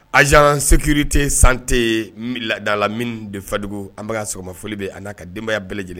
Az sete santedala min de fadugu anba sɔgɔmafolo bɛ a na ka denbaya bɛɛ lajɛlen